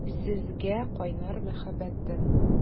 Сезгә кайнар мәхәббәтем!